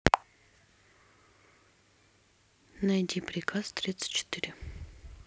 найди приказ тридцать четыре